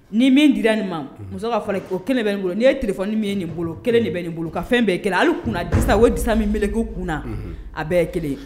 Ni min dira nin ma muso b'a ko kelen bɛ n bolo n'i ye tile min ye nin n bolo kelen de bɛ nin bolo ka fɛn bɛɛ kelen ale disa o disa mineleku kun a bɛɛ ye kelen